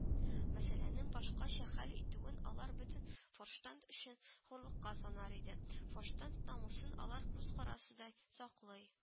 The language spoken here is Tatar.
Мәсьәләнең башкача хәл итүен алар бөтен Форштадт өчен хурлыкка санар иде. Форштадт намусын алар күз карасыдай саклый